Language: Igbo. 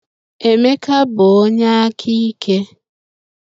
Emeka bụ onye aka ike